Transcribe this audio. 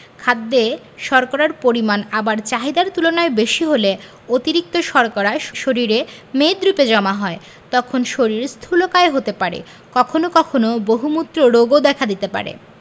খাদ্যে শর্করার পরিমাণ আবার চাহিদার তুলনায় বেশি হলে অতিরিক্ত শর্করা শরীরে মেদরুপে জমা হয় তখন শরীর স্থুলকায় হতে পারে কখনো কখনো বহুমূত্র রোগও দেখা দিতে পারে